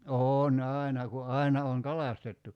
on aina kun aina on kalastettu